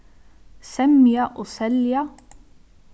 semja og selja